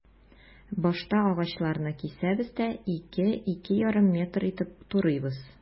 Башта агачларны кисәбез дә, 2-2,5 метр итеп турыйбыз.